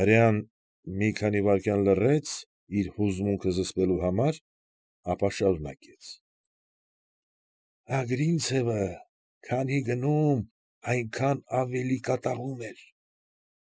Հրեան մի քանի վայրկյան լռեց՝ իր հուզմունքը զսպելու համար, ապա շարունակեց. ֊ Ագրինցևը քանի գնում, այնքան ավելի կատաղում էր։